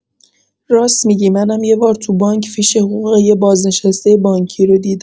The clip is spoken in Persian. راس می‌گی منم یه بار تو بانک فیش حقوق یه بازنشسته بانکی رو دیدم